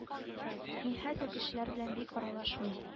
Мин хәзер кешеләр белән бик аралашмыйм